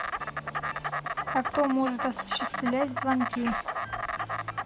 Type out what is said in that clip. а кто может осуществлять звонки